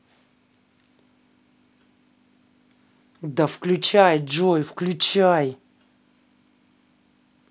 да выключай джой выключай